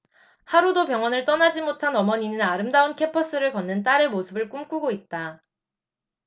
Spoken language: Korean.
하루도 병원을 떠나지 못한 어머니는 아름다운 캠퍼스를 걷는 딸의 모습을 꿈꾸고 있다